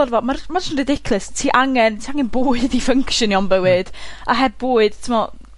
arno fo ma' ma' jyst yn *ridiculous. Ti angen, ti angen bwyd i ffynctiono'n bywyd, a heb bwyd t'mo'